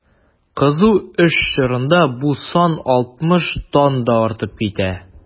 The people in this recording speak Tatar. Кызу эш чорында бу сан 60 тан да артып китә.